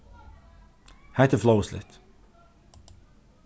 hetta er flovisligt